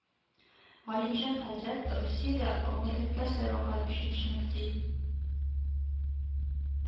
Галимҗан хәзрәт Русиядә гомерлеккә сайланган өченче мөфти